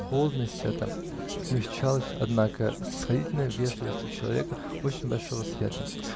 Холодность эта смягчалась, однако, снисходительной вежливостью человека очень большого света.